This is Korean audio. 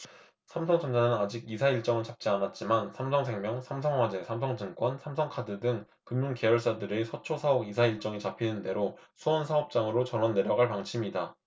삼성전자는 아직 이사 일정은 잡지 않았지만 삼성생명 삼성화재 삼성증권 삼성카드 등 금융계열사들의 서초 사옥 이사 일정이 잡히는 대로 수원사업장으로 전원 내려갈 방침이다